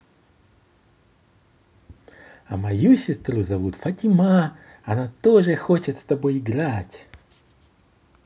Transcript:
а мою сестру зовут фатима она тоже хочет с тобой играть